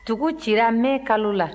tugu cira mɛ kalo la